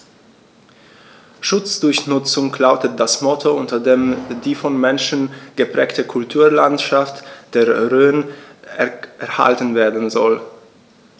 „Schutz durch Nutzung“ lautet das Motto, unter dem die vom Menschen geprägte Kulturlandschaft der Rhön erhalten werden soll.